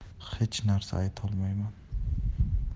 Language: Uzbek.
hech narsa ayta olmayman